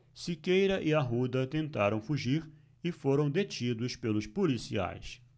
siqueira e arruda tentaram fugir e foram detidos pelos policiais